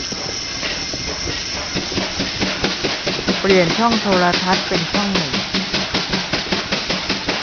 เปลี่ยนช่องโทรทัศน์เป็นช่องหนึ่ง